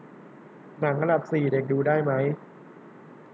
หนังอันดับสี่เด็กดูได้ไหม